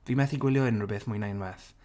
Fi methu gwylio unrywbeth mwy na unwaith.